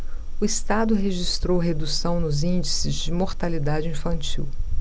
o estado registrou redução nos índices de mortalidade infantil